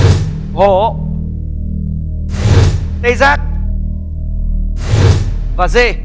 hổ tê giác và dê